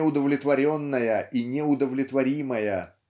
неудовлетворенная и неудовлетворимая